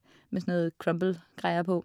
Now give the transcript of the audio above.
Med sånn noe crumblegreier på.